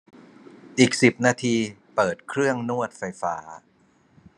อีกสิบนาทีเปิดเครื่องนวดไฟฟ้า